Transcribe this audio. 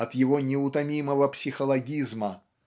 от его неутомимого психологизма